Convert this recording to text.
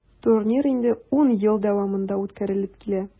Турнир инде 10 ел дәвамында үткәрелеп килә.